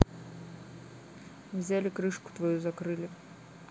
взяли крышку твою закрыли